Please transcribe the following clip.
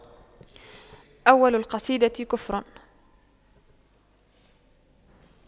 أول القصيدة كفر